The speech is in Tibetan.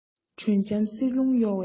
དྲོད འཇམ བསིལ རླུང གཡོ བའི